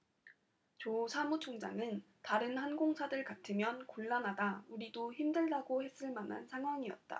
조 사무총장은 다른 항공사들 같으면 곤란하다 우리도 힘들다고 했을 만한 상황이었다